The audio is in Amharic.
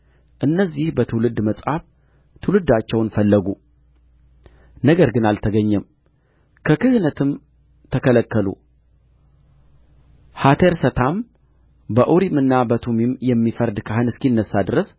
እነዚህ በትውልድ መጽሐፍ ትውልዳቸውን ፈለጉ ነገር ግን አልተገኘም ከክህነትም ተከለከሉ ሐቴርሰታም በኡሪምና በቱሚም የሚፈርድ ካህን እስኪነሣ ደረስ